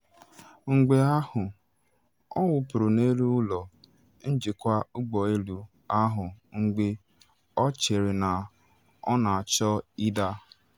Mgbe ahụ ọ wụpụrụ n’elu ụlọ njikwa ụgbọ elu ahụ mgbe ọ chere na ọ na achọ ịda.